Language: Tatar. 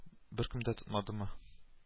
Беркем дә тотмадымы